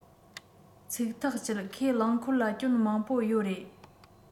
ཚིག ཐག བཅད ཁོས རླངས འཁོར ལ སྐྱོན མང པོ ཡོད རེད